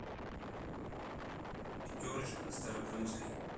пятерочка на старокрымской